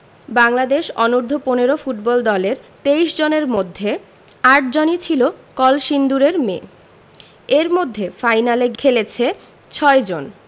বাংলাদেশ অনূর্ধ্ব ১৫ ফুটবল দলের ২৩ জনের মধ্যে ৮ জনই ছিল কলসিন্দুরের মেয়ে এর মধ্যে ফাইনালে খেলেছে ৬ জন